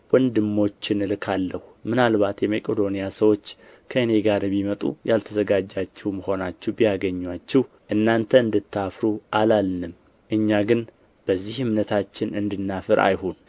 ወንድሞችን እልካለሁ ምናልባት የመቄዶንያ ሰዎች ከእኔ ጋር ቢመጡ ያልተዘጋጃችሁም ሆናችሁ ቢያገኙአችሁ እናንተ እንድታፍሩ አላልንም እኛ ግን በዚህ እምነታችን እንድናፍር አይሁን